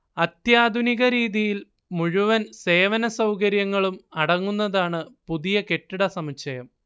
അത്യാധുനിക രീതിയിൽ മുഴുവൻ സേവന സൗകര്യങ്ങളും അടങ്ങുന്നതാണ് പുതിയ കെട്ടിടസമുച്ചയം